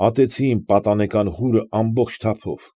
Ատեցի իմ պատանեկան հոգու ամբողջ թափով։